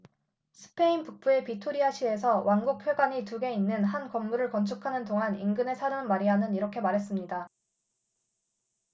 스페인 북부의 비토리아 시에서 왕국회관이 두 개 있는 한 건물을 건축하는 동안 인근에 사는 마리안은 이렇게 말했습니다